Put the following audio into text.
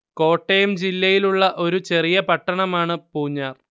കോട്ടയം ജില്ലയിലുള്ള ഒരു ചെറിയ പട്ടണമാണ് പൂഞ്ഞാർ